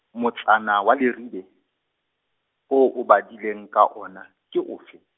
motsana wa Leribe, oo o badileng ka wona, ke ofe?